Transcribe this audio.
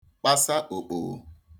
kpasa òkpòghò